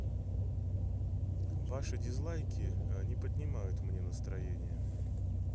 ваши дизлайки не поднимают мне настроение